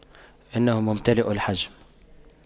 إنه ممتلئ الحجم